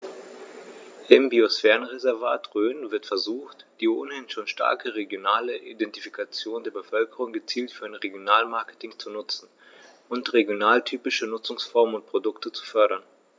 Im Biosphärenreservat Rhön wird versucht, die ohnehin schon starke regionale Identifikation der Bevölkerung gezielt für ein Regionalmarketing zu nutzen und regionaltypische Nutzungsformen und Produkte zu fördern.